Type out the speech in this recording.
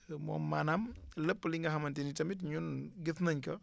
moom maanaam lépp li nga xamante ni tamit ñun jëf nañ ko